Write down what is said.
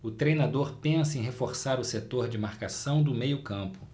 o treinador pensa em reforçar o setor de marcação do meio campo